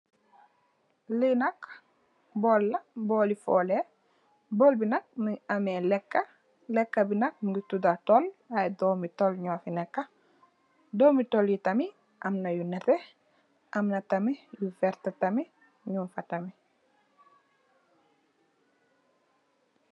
Li nak bowl la bowli foleh bowl bi nak mongi ame leka leka bi nak ay domi tol la tol mofi neka domi toli tamit am na yu nete amna tamit bu verta tamit munfa tamit.